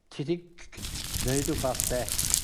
Ti di c- c- neud wbath 'de